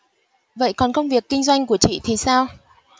vậy còn công việc kinh doanh của chị thì sao